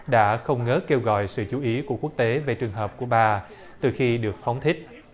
đã không ngớt kêu gọi sự chú ý của quốc tế về trường hợp của bà từ khi được phóng thích